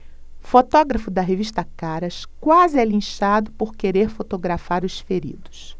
fotógrafo da revista caras quase é linchado por querer fotografar os feridos